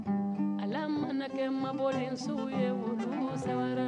Ala mana kɛ mabɔbɔlen sugu ye mɔgɔ sama